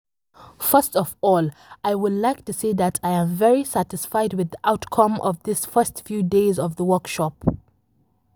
First of all, I would like to say that I am very satisfied with the outcome of these first few days of the workshop.